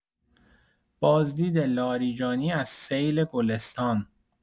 بازدید لاریجانی از سیل گلستان!